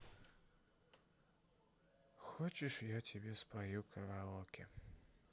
хочешь я тебе спою караоке